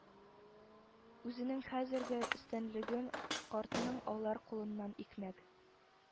Үзенең хәзерге өстенлеген, картның алар кулыннан икмәк